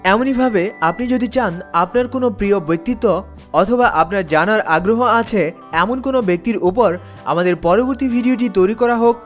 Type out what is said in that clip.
এমনই ভাবে আপনি যদি চান আপনার কোন প্রিয় ব্যক্তিত্ব অথবা আপনার জানার আগ্রহ আছে এমন কোন ব্যক্তির উপর আমাদের পরবর্তী ভিডিওটি তৈরি করা হোক